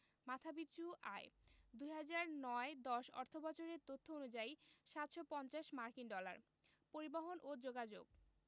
মাথাপিছু আয়ঃ ২০০৯ ১০ অর্থবছরের তথ্য অনুসারে ৭৫০ মার্কিন ডলার পরিবহণ ও যোগাযোগঃ